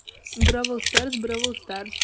бравл старс бравл старс